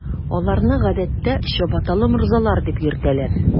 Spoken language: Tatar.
Аларны, гадәттә, “чабаталы морзалар” дип йөртәләр.